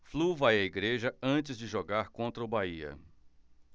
flu vai à igreja antes de jogar contra o bahia